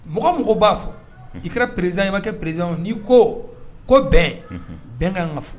Mɔgɔ mɔgɔ b'a fo i kɛra perezan i'a kɛ perezanw n'i ko ko bɛn bɛn ka kan n ka fo